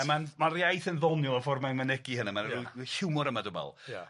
A ma'n ma'r iaith yn ddoniol y ffordd mae'n mynegi hynna, mae ryw ryw hiwmor yma dwi me'wl.